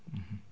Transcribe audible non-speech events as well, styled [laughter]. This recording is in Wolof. [hesitation] [hesitation]